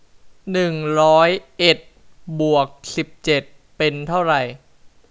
หนึ่งร้อยเอ็ดบวกสิบเจ็ดเป็นเท่าไร